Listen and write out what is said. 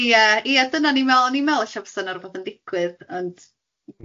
Ie ie dyna o'n i'n meddwl o'n i'n meddwl ella bysa yna rwbath yn digwydd ond dan ni dal ymlaen so,